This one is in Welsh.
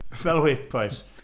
Fel whip oes.